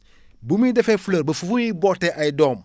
bu muy defee fleur ba fu muy bootee ay doom